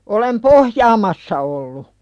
olen pohjaamassa ollut